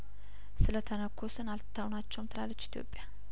ስለተነኮስን አልተው ናቸውም ትላለች ኢትዮጵያ